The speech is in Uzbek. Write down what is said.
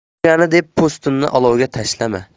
burgani deb po'stinni olovga tashlama